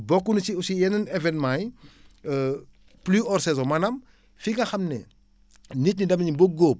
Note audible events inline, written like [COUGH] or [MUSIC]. bokk na ci aussi yeneen événements yi [HESITATION] pluie hors saison maanaam fi nga xam ne nit ñi dem nañu ba góob